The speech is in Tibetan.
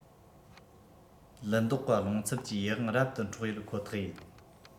ལི མདོག གི རླུང འཚུབ ཀྱིས ཡིད དབང རབ ཏུ འཕྲོག ཡོད ཁོ ཐག ཡིན